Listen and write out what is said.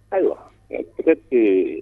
Ayiwa mais peut-être que